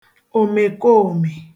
òmèkoòmè